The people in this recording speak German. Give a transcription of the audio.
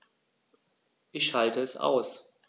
Ich schalte es aus.